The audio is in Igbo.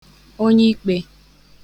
onye ikpe